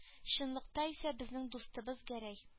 Чынлыкта исә безнең дустыбыз гәрәй